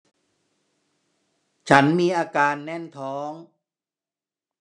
ฉันมีอาการแน่นท้อง